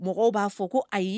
Mɔgɔw b'a fɔ ko ayi